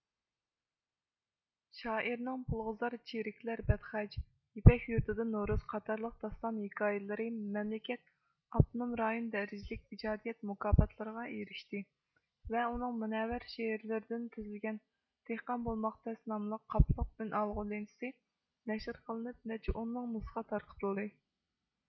شائىرنىڭ پۇلغا زار چىرىكلەر بەدخەچ يىپەك يۇرتىدا نورۇز قاتارلىق داستان ھېكايىلىرى مەملىكەت ئاپتونۇم رايون دەرىجىلىك ئىجادىيەت مۇكاپاتلىرىغا ئېرىشتى ۋە ئۇنىڭ مۇنەۋۋەر شىئېرلىردىن تۈزۈلگەن دېھقان بولماق تەس ناملىق قاپلىق ئۈنئالغۇ لېنتىسى نەشىر قىلنىپ نەچچە ئون مىڭ نۇسخا تارقىتىلدى